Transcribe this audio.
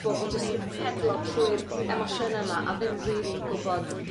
bo' fi jyst yn pedlo trwy'r emosiyne 'ma a ddim rili'n gwbod